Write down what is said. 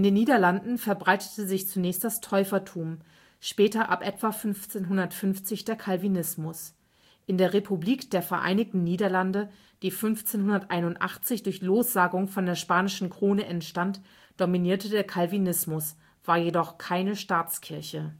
Niederlanden verbreitete sich zunächst das Täufertum, später ab etwa 1550 der Calvinismus. In der Republik der Vereinigten Niederlande, die 1581 durch Lossagung von der spanischen Krone entstand, dominierte der Calvinismus, war jedoch keine Staatskirche